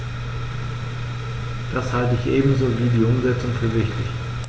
Das halte ich ebenso wie die Umsetzung für wichtig.